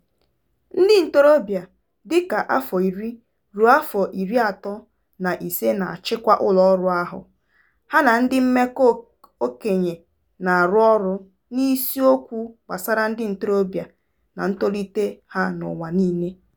Ndị ntorobịa dị ka afọ iri ruo afọ iri atọ na ise na-achịkwa ụlọọrụ ahụ, ha na ndi mmekọ okenye na-arụ ọrụ n'isiokwu gbasara ndị ntorobịa na ntolite ha n'ụwa niile